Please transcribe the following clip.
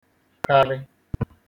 karị̀